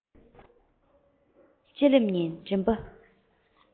ལྕེ ལེབ ནས མགྲིན པ